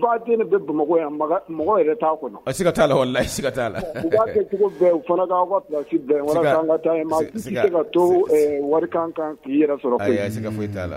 baden bɛ bamakɔ yan mɔgɔ yɛrɛ t'a kɔnɔ a ka' la la i ka t'a la ka to wari kan k'i yɛrɛ sɔrɔ ase ka t'a la